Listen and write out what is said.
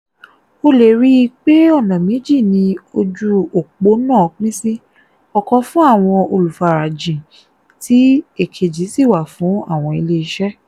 O lè ríi pé ọ̀nà méjì ni ojú òpó náà pín sí: ọ̀kan fún àwọn olùfarajìn tí èkejì sì wà fún àwọn ilé-iṣẹ́.